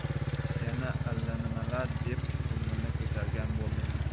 yana allanimalar deb ko'nglini ko'targan bo'ldim